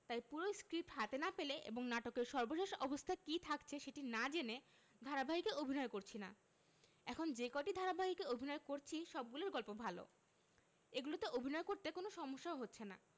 তাই পুরো স্ক্রিপ্ট হাতে না পেলে এবং নাটকের সর্বশেষ অবস্থা কী থাকছে সেটি না জেনে ধারাবাহিকে অভিনয় করছি না এখন যে কয়টি ধারাবাহিকে অভিনয় করছি সবগুলোর গল্প ভালো এগুলোতে অভিনয় করতে কোনো সমস্যাও হচ্ছে না